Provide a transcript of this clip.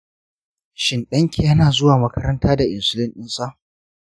shin ɗanki yana zuwa makaranta da insulin dinsa?